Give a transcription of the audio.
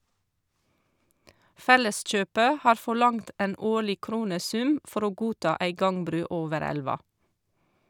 Felleskjøpet har forlangt en årlig kronesum for å godta ei gangbru over elva.